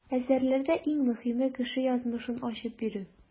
Әсәрләрдә иң мөһиме - кеше язмышын ачып бирү.